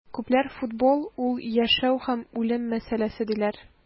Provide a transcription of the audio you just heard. Күпләр футбол - ул яшәү һәм үлем мәсьәләсе, диләр.